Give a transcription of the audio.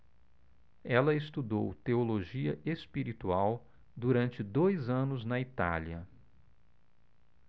ela estudou teologia espiritual durante dois anos na itália